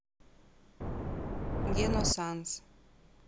geno sans